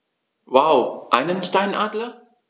Wow! Einen Steinadler?